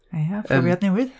Ia, profiad newydd... Yym,